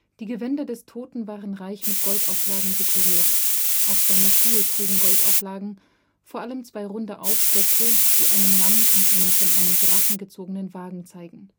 Die Gewänder des Toten waren reich mit Goldauflagen dekoriert. Auch seine Schuhe trugen Goldauflagen, vor allem zwei runde Aufsätze, die einen Mann in einem von einem Drachen gezogenen Wagen zeigen